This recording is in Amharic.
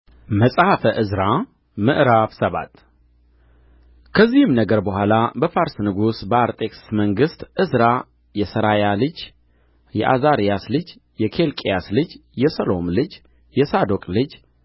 መጽሐፈ ዕዝራ ምዕራፍ ሰባት ከዚህም ነገር በኋላ በፋርስ ንጉሥ በአርጤክስስ መንግሥት ዕዝራ የሠራያ ልጅ የዓዛርያስ ልጅ የኬልቅያስ ልጅ የሰሎም ልጅ የሳዶቅ ልጅ